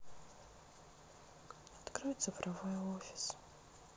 открой цифровой офис